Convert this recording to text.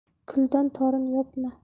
kuldan torn yopma